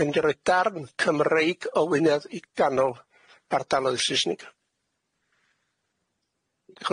Dwi'n mynd i roi darn Cymreig o Wynedd i ganol ardalodd Saesnig.